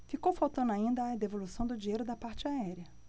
ficou faltando ainda a devolução do dinheiro da parte aérea